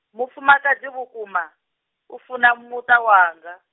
mufumakadzi vhukuma, u funa muṱa wanga.